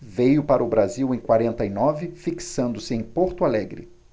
veio para o brasil em quarenta e nove fixando-se em porto alegre